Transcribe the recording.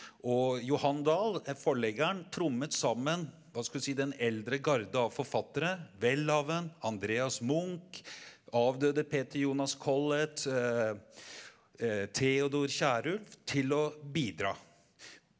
og Johan Dahl forleggeren trommet sammen hva skal man si den eldre garde av forfattere, Welhaven, Andreas Munch, avdøde Peter Jonas Collett, Teodor Kjærulf til å bidra.